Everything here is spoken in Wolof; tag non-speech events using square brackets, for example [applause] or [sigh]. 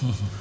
[hesitation] [hesitation]